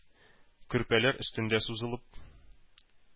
Көрпәләр өстендә сузылып,